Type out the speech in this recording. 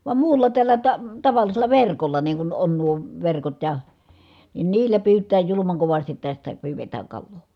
vaan muulla tällä - tavallisella verkolla niin kun on nuo verkot ja niin niillä pyytää julman kovasti tästä pyydetään kalaa